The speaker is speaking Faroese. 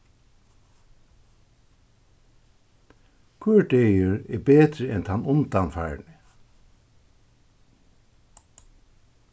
hvør dagur er betri enn tann undanfarni